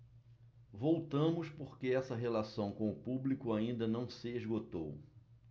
voltamos porque essa relação com o público ainda não se esgotou